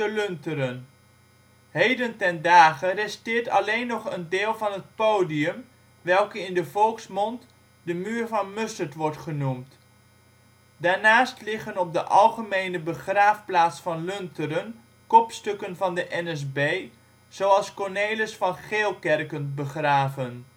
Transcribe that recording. Lunteren. Heden ten dage resteert alleen nog een deel van het podium welke in de volksmond " de muur van Mussert " wordt genoemd. Daarnaast liggen op de algemene begraafplaats van Lunteren kopstukken van de NSB zoals Cornelis van Geelkerken begraven